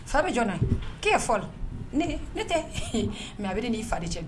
Fa bɛ jɔna ke fɔ ne tɛ mɛ bɛ n'i fali cɛ